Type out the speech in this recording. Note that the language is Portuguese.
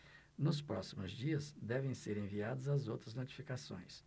nos próximos dias devem ser enviadas as outras notificações